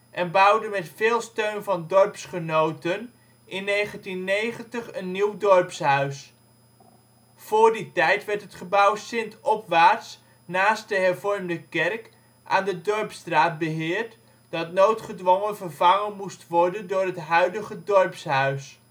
en bouwde met veel steun van dorpsgenoten in 1990 het nieuwe dorpshuis. Voor die tijd werd het gebouw ' St. Opwaarts ' naast de Hervormde Kerk aan de dorpsstraat beheerd, dat noodgedwongen vervangen moest worden door het huidige dorpshuis